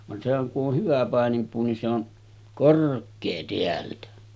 vaan sehän kun on hyvä paininpuu niin se on korkea täältä